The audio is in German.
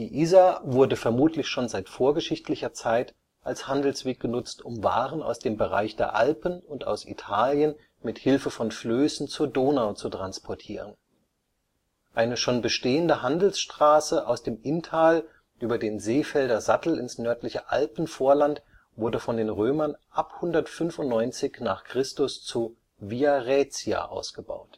Isar wurde vermutlich schon seit vorgeschichtlicher Zeit als Handelsweg genutzt, um Waren aus dem Bereich der Alpen und aus Italien mit Hilfe von Flößen zur Donau zu transportieren. Eine schon bestehende Handelsstraße aus dem Inntal über den Seefelder Sattel ins nördliche Alpenvorland wurde von den Römern ab 195 n. Chr. zur Via Raetia ausgebaut